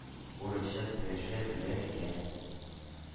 Урысча сөйләшә беләм икән,